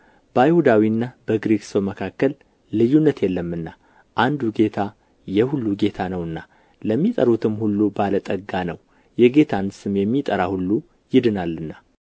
በአይሁዳዊና በግሪክ ሰው መካከል ልዩነት የለምና አንዱ ጌታ የሁሉ ጌታ ነውና ለሚጠሩትም ሁሉ ባለ ጠጋ ነው የጌታን ስም የሚጠራ ሁሉ ይድናልና